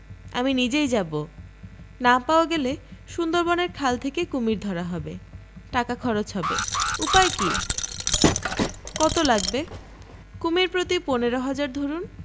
আমি নিজেই যাব না পাওয়া গেলে সুন্দরবনের খাল থেকে কুমীর ধরা হবে টাকা খরচ হবে উপায় কি কত লাগবে কুমীর প্রতি পনেরো হাজার ধরুন